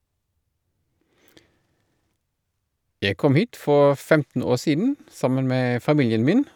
Jeg kom hit for femten år siden sammen med familien min.